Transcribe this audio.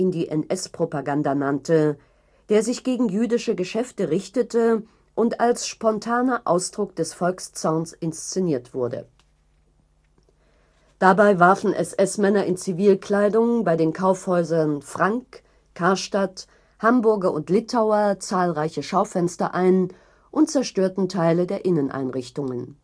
die NS-Propaganda nannte), der sich gegen jüdische Geschäfte richtete und als „ spontaner Ausdruck des Volkszorns “inszeniert wurde. Dabei warfen SS-Männer in Zivilkleidung bei den Kaufhäusern Frank, Karstadt, Hamburger & Littauer zahlreiche Schaufenster ein und zerstörten Teile der Inneneinrichtungen